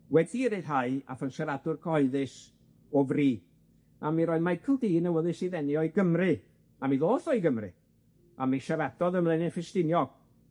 wedi ei ryddhau ath o'n siaradwr cyhoeddus o fri, a mi roedd Michael Dee yn awyddus i ddenu o i Gymru, a mi ddoth o i Gymru, a mi siaradodd ym Mlaenau Ffestiniog.